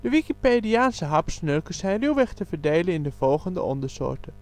Wikipediaanse hapsnurkers zijn ruwweg te verdelen in de volgende ondersoorten